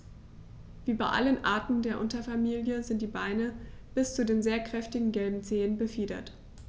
Wie bei allen Arten der Unterfamilie sind die Beine bis zu den sehr kräftigen gelben Zehen befiedert.